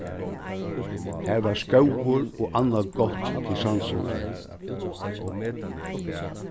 har var skógur og annað gott til sansirnar